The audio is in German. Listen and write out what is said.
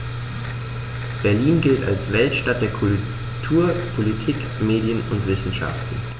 Berlin gilt als Weltstadt der Kultur, Politik, Medien und Wissenschaften.